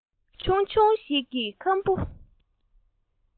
ཆུང ཆུང ཞིག གིས ཁམ བུ